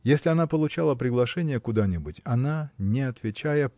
Если она получала приглашение куда-нибудь она не отвечая